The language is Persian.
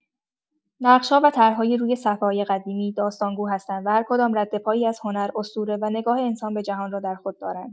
نقش‌ها و طرح‌های روی صفحه‌های قدیمی، داستان‌گو هستند و هرکدام ردپایی از هنر، اسطوره و نگاه انسان به جهان را در خود دارند.